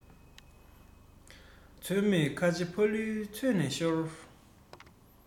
སྡུག སྙིང མནན ནས སྡུག ཚོད བཟུང བ དགའ